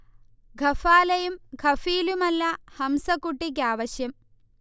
ഖഫാലയും ഖഫീലുമല്ല ഹംസകുട്ടിക്കാവശ്യം